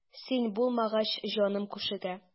Син булмагач җаным күшегә.